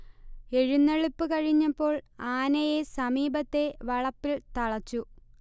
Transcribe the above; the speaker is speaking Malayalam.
എഴുന്നള്ളിപ്പ് കഴിഞ്ഞപ്പോൾ ആനയെ സമീപത്തെ വളപ്പിൽ തളച്ചു